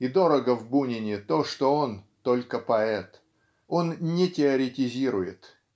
И дорого в Бунине то, что он - только поэт. Он не теоретизирует